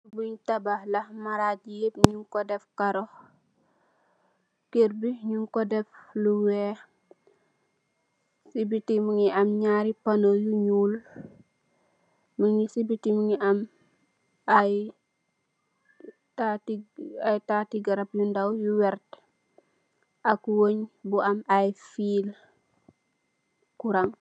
Lee tabah la marage yep nugku def karou kerr be nugku def lu weex se bete muge am nyari pono yu nuul mungi se bete mun am aye tate garab yu ndaw yu werte ak wùñ bu am aye fele curang.